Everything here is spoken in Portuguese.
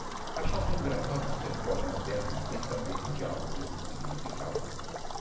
achava engraçado ser pós-moderna sem saber que diabos isso significava